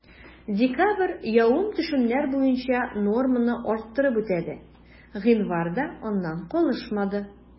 Декабрь явым-төшемнәр буенча норманы арттырып үтәде, гыйнвар да аннан калышмады.